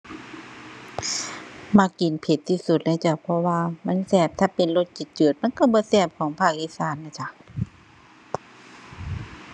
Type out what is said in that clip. มักกินเผ็ดที่สุดเลยจ้ะ เพราะว่ามันแซ่บ ถ้าเป็นรสจืดจืดมันก็บ่แซ่บของภาคอีสานน่ะจ้ะ